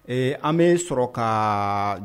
Ee an bɛ sɔrɔ ka